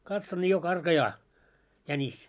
katson niin jo karkaa jänis